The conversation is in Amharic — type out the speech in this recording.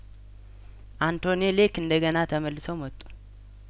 አንቶኔ ሌክ እንደገና ተመልሰው መጡ